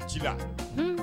Ci la, hunn!